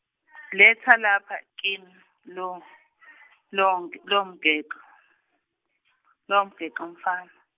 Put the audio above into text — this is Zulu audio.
Letha lapha kimi lo- lonx-, lowomgexo, lowomgexo mfana.